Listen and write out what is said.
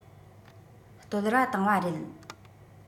བསྟོད ར བཏང བ རེད